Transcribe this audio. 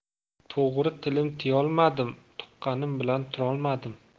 to'g'ri tilim tiyolmadim tuqqanim bilan turolmadim